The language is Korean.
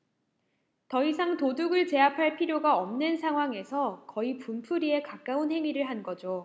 더 이상 도둑을 제압할 필요가 없는 상황에서 거의 분풀이에 가까운 행위를 한 거죠